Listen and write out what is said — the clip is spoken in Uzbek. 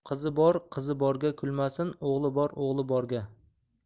qizi bor qizi borga kulmasin o'g'li bor o'g'li borga